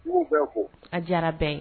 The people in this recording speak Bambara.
'u bɛ ko a jara bɛ ye